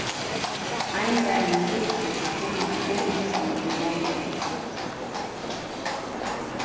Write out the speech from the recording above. ein dagin viltist gunnar gunnarsson í london